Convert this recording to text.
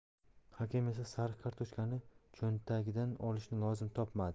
hakam esa sariq kartochkani cho'natidan olishni lozim topmadi